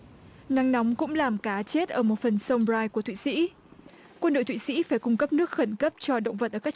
nắng nóng cũng làm cá chết ở một phần sông bờ rai của thụy sĩ quân đội thụy sĩ phải cung cấp nước khẩn cấp cho động vật ở các